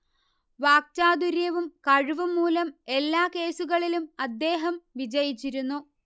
വാക്ചാതുര്യവും കഴിവും മൂലം എല്ലാ കേസുകളിലും അദ്ദേഹം വിജയിച്ചിരുന്നു